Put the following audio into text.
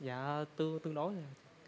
dạ tương tương đối